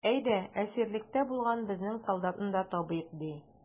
Әйдә, әсирлектә булган безнең солдатны да табыйк, ди.